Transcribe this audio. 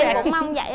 dạ cũng mong vậy á